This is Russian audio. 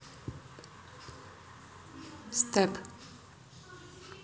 stp